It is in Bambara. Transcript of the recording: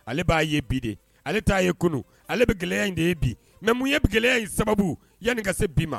Ale b'a ye bi de ale t'a ye kunun ale bɛ gɛlɛya in de ye bi mɛ mun ye gɛlɛya in sababu yanni ka se bi ma